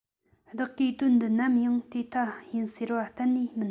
བདག གིས དོན འདི ནམ ཡང དེ ལྟ ཡིན ཟེར བ གཏན ནས མིན